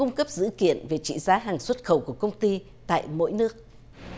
cung cấp dữ kiện về trị giá hàng xuất khẩu của công ty tại mỗi nước